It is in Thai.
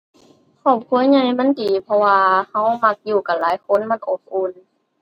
ครอบครัวใหญ่มันดี เพราะว่าเรามักอยู่กันหลายคน มันอบอุ่น